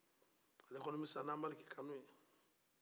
ne kɔni bɛ sa ni anbarike kanu ye